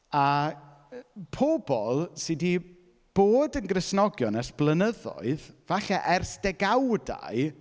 A yy pobl sy 'di bod yn Gristnogion ers blynyddoedd falle ers degawdau.